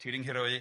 Ti 'di nghuro i.